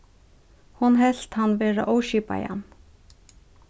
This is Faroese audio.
hon helt hann vera óskipaðan